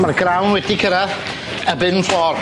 Ma'r grawn wedi cyrradd y bin floor.